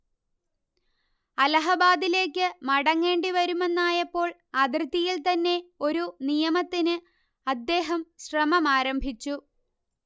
അലഹബാദിലേക്ക് മടങ്ങേണ്ടി വരുമെന്നായപ്പോൾ അതിർത്തിയിൽത്തന്നെ ഒരു നിയമനത്തിന് അദ്ദേഹം ശ്രമമാരംഭിച്ചു